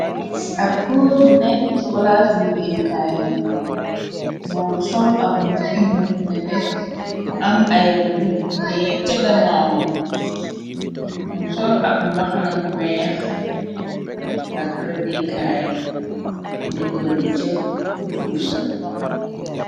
Ab góor bu nekk ci palaasu liggéeyu kaay moo nga sol ab mbut mu nete mu am ay rëdd bu néeg ca ganam mum sol ab mbaxana mu weex ak rëddi kaay budi ko rëddi cë suuf sa.